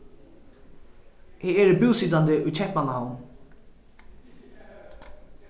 eg eri búsitandi í keypmannahavn